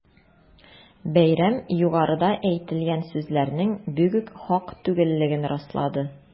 Бәйрәм югарыда әйтелгән сүзләрнең бигүк хак түгеллеген раслады.